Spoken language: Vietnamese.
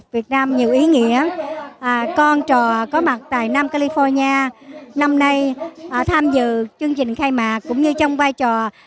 việt nam nhiều ý nghĩa ờ con trò có mặt tại nam ca li pho nhi a năm nay à tham dự chương trình khai mạc cũng như trong vai trò